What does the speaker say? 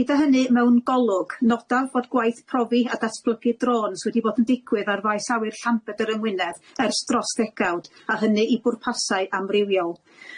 Gyda hynny mewn golwg, nodaf bod gwaith profi a datblygu drôns wedi bod yn digwydd ar faes awyr Llanbedr yng Ngwynedd ers dros ddegawd, a hynny i bwrpasau amrywiol.